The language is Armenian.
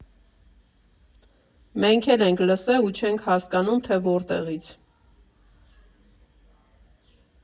Մենք էլ ենք լսել ու չենք հասկանում, թե որտեղից։